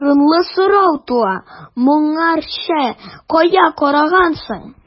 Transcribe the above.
Урынлы сорау туа: моңарчы кая караганнар соң?